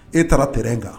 E taara t kan